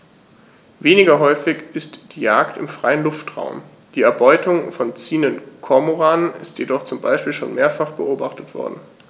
Weniger häufig ist die Jagd im freien Luftraum; die Erbeutung von ziehenden Kormoranen ist jedoch zum Beispiel schon mehrfach beobachtet worden.